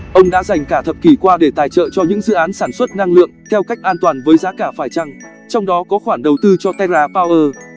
ông đã dành cả thập kỷ qua để tài trợ cho những dự án sản xuất năng lượng theo cách an toàn với giá cả phải chăng trong đó có khoản đầu tư cho terrapower